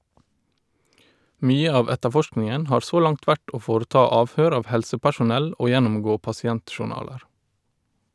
Mye av etterforskningen har så langt vært å foreta avhør av helsepersonell og gjennomgå pasientjournaler.